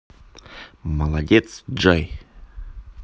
молодец джой